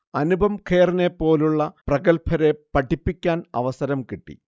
അനുപംഖേറിനെപ്പോലുള്ള പ്രഗല്‍ഭരെ പഠിപ്പിക്കാൻ അവസരം കിട്ടി